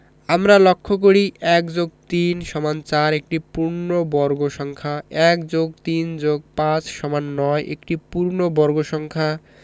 আমরা লক্ষ করি ১+৩=৪ একটি পূর্ণবর্গ সংখ্যা ১+৩+৫=৯ একটি পূর্ণবর্গ সংখ্যা